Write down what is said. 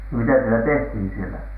no mitä siellä tehtiin siellä